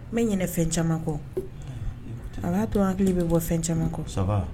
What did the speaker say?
Me ɲinɛ fɛn caman kɔ aa n'i ko ten a b'a to an hakili be bɔ fɛn caman kɔ ça va